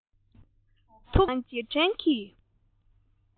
ཐུག པས བརླན པའི ང རང རྗེས དྲན གྱི